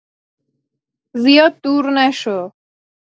زیاد دور نشو!